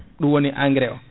ɗum woni engrais o